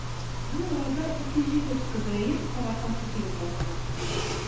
Ул арада ике җегет көдрәеп кара-каршы килеп басты.